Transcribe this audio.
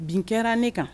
Bin kɛra ne kan